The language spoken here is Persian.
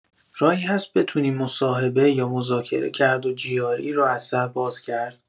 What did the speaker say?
راهی هست بتونیم مصاحبه یا مذاکره کرد و GRE رو از سر باز کرد؟